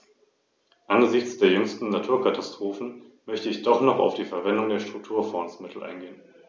Frau Präsidentin, soeben haben wir über einen Bericht mit dem Titel "Emissionsnormen für leichte Nutzfahrzeuge" abgestimmt.